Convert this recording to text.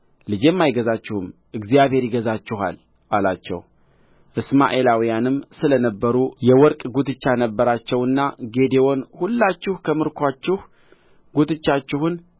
ልጄም አይገዛችሁም እግዚአብሔር ይገዛችኋል አላቸው እስማኤላውያንም ስለ ነበሩ የወርቅ ጕትቻ ነበራቸውና ጌዴዎን ሁላችሁ ከምርኮአችሁ ጕትቻችሁን